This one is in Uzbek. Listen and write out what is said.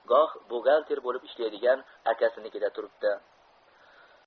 goh buxgalter bo'lib ishlaydigan akasinikida turibdi